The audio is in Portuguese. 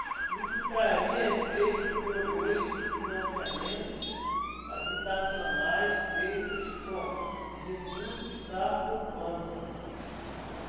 isso traria efeitos sobre os financiamentos habitacionais feitos com recursos da poupança